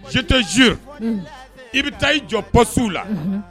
Si tɛ z i bɛ taa i jɔ pasiw la